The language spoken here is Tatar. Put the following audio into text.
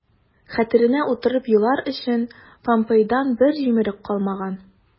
Хәтеренә утырып елар өчен помпейдан бер җимерек калмаган...